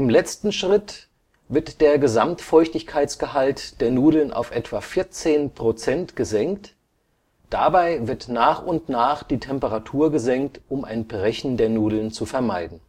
letzten Schritt wird der Gesamtfeuchtigkeitsgehalt der Nudeln auf etwa 14 % gesenkt, dabei wird nach und nach die Temperatur gesenkt, um ein Brechen der Nudeln zu vermeiden